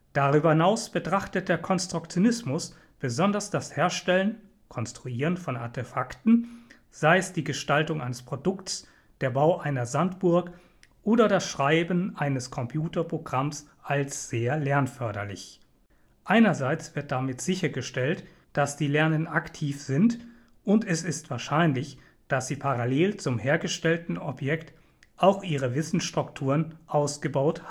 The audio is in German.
Darüber hinaus betrachtet der Konstruktionismus besonders das Herstellen (Konstruieren) von Artefakten, sei es die Gestaltung eines Produkts, der Bau einer Sandburg oder das Schreiben eines Computerprogramms als sehr lernförderlich. Einerseits wird damit sichergestellt, dass die Lernenden aktiv sind und es ist wahrscheinlich, dass sie parallel zum hergestellten Objekt auch ihre Wissensstrukturen ausgebaut